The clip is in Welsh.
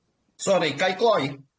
Sori, ga i gloi?